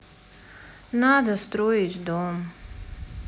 надо строить дом